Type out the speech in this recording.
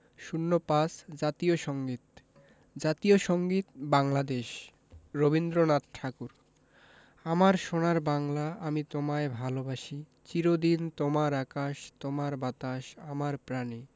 ০৫ জাতীয় সংগীত জাতীয় সংগীত বাংলাদেশ রবীন্দ্রনাথ ঠাকুর আমার সোনার বাংলা আমি তোমায় ভালোবাসি চির দিন তোমার আকাশ তোমার বাতাস আমার প্রাণে